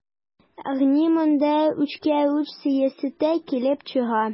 Ягъни монда үчкә-үч сәясәте килеп чыга.